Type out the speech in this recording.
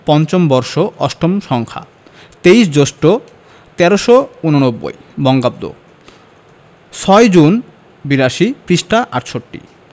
৫ম বর্ষ ৮ম সংখ্যা ২৩ জ্যৈষ্ঠ ১৩৮৯ বঙ্গাব্দ৬ জুন৮২ পৃষ্ঠাঃ ৬৮